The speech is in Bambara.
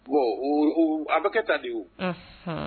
Bon a bɛ kɛ taa de o